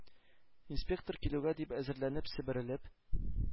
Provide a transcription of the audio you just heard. Инспектор килүгә дип әзерләнеп себерелеп